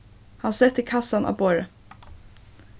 hann setti kassan á borðið